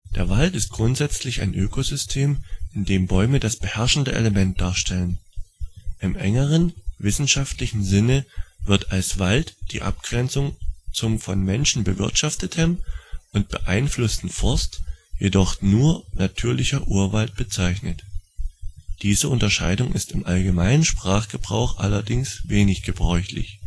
Der Wald ist grundsätzlich ein Ökosystem, in dem Bäume das beherrschende Element darstellen. Im engeren, wissenschaftlichen Sinne wird als Wald, in Abgrenzung zum von Menschen bewirtschaftetem und beeinflusstem Forst, jedoch nur natürlicher Urwald bezeichnet. Diese Unterscheidung ist im allgemeinen Sprachgebrauch allerdings wenig gebräuchlich